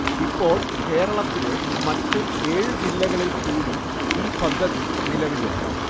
ഇപ്പോൾ കേരളത്തിലെ മറ്റ് ഏഴ് ജില്ലകളിൽ കൂടി ഈ പദ്ധതി നിലവിലുണ്ട്